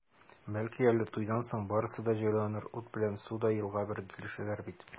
Бәлки әле туйдан соң барысы да җайланыр, ут белән су да елга бер килешәләр, ди бит.